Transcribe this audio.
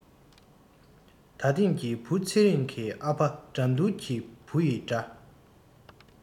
ད ཐེངས ཀྱི བུ ཚེ རིང གི ཨ ཕ དགྲ འདུལ གྱི བུ ཡི འདྲ